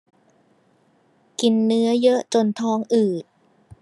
กินเนื้อเยอะจนท้องอืด